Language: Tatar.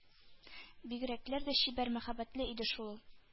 Бигрәкләр дә чибәр, мәхәббәтле иде шул ул!